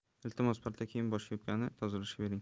iltimos palto kiyim bosh yubka ni tozalashga bering